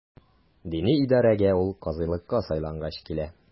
Дини идарәгә ул казыйлыкка сайлангач килә.